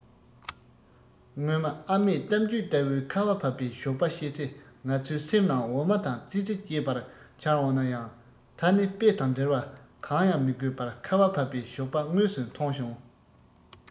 སྔོན མ ཨ མས གཏམ རྒྱུད ལྟ བུའི ཁ བ བབས པའི ཞོགས པ བཤད ཚེ ང ཚོའི སེམས ནང འོ མ དང ཙི ཙི བཅས པ འཆར འོང ན ཡང ད ནི དཔེ དང འགྲེལ བ གང ཡང མི དགོས པར ཁ བ འབབ པའི ཞོགས པ དངོས སུ མཐོང བྱུང